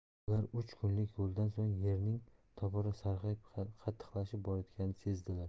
ular uch kunlik yo'ldan so'ng yerning tobora sarg'ayib qattiqlashib borayotganini sezdilar